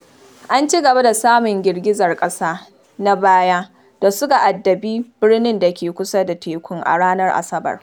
An ci gaba da samun girgizar ƙasa na baya da suka addabi birnin da ke kusa da tekun a ranar Asabar.